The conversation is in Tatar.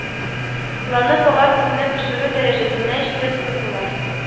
Ланып, алар кулны пешерү дәрәҗәсенә җитеп кыздылар